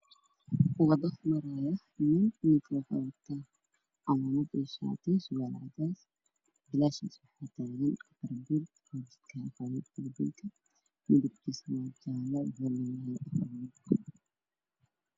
Waa nin marayo waddada wuxuu wataa cimaamad bishaati iswallow caddeysa waxaa ka dambeeyo naag jeeb ka wadatay